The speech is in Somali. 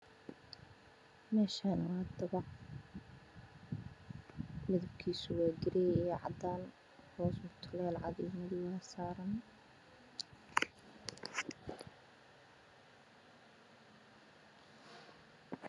Meeshaan waa dabaq midabkiisu waa garee iyo cadaan, hoos mutuleel cadaan iyo madow ah ayaa saaran.